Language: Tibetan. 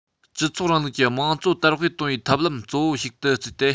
སྤྱི ཚོགས རིང ལུགས ཀྱི དམངས གཙོ དར སྤེལ གཏོང བའི ཐབས ལམ གཙོ བོ ཞིག ཏུ བརྩིས ཏེ